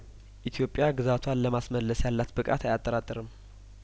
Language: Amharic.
ኢትዮጵያ ግዛቷን ለማስመለስ ያላት ብቃት አያጠራጥርም